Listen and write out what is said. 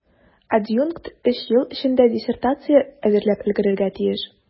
Адъюнкт өч ел эчендә диссертация әзерләп өлгерергә тиеш.